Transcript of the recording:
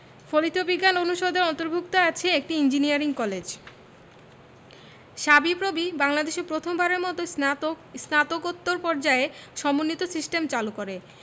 ফলিত বিজ্ঞান অনুষদের অন্তর্ভুক্ত আছে একটি ইঞ্জিনিয়ারিং কলেজ সাবিপ্রবি বাংলাদেশে প্রথম বারের মতো স্নাতক স্নাতকোত্তর পর্যায়ে সমন্বিত সিস্টেম চালু করে